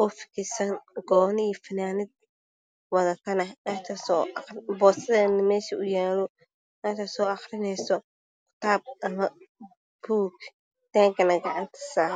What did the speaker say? oo xiran saako cadaan fanaanad madow waxaa ag yaalla boorso buug ay akhrineysaa